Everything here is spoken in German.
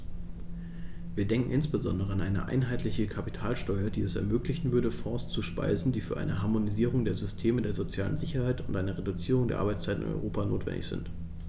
Wir denken insbesondere an eine einheitliche Kapitalsteuer, die es ermöglichen würde, Fonds zu speisen, die für eine Harmonisierung der Systeme der sozialen Sicherheit und eine Reduzierung der Arbeitszeit in Europa notwendig sind.